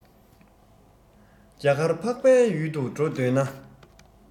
རྒྱ གར འཕགས པའི ཡུལ དུ འགྲོ འདོད ན